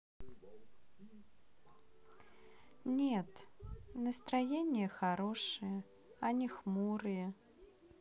нет настроение хорошее а не хмурые